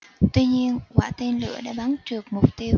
tuy nhiên quả tên lửa đã bắn trượt mục tiêu